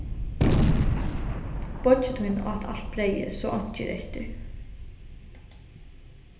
beiggi tín át alt breyðið so einki er eftir